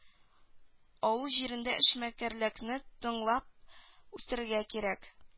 Авыл җирендә эшмәкәрлекне тыңлап үстерергә кирәк